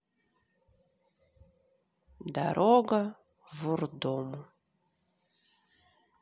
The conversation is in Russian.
дорога в урдому